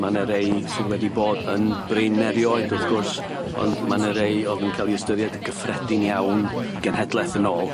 Ma' 'ne rei sydd wedi bod yn brin erioed wrth gwrs ond ma' 'ne rei o'dd yn ca'l 'u ystyried yn gyffredin iawn genhedleth yn ôl.